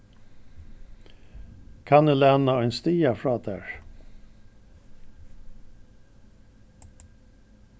kann eg læna ein stiga frá tær